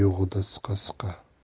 yo'g'ida siqa siqa